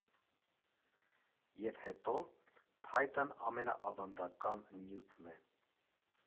Եվ հետո, փայտն ամենաավանդական նյութն է.